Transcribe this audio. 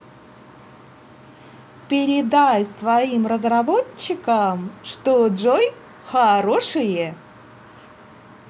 передай своим разработчикам что джой хорошее